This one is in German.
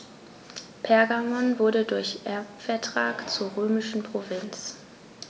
Pergamon wurde durch Erbvertrag zur römischen Provinz.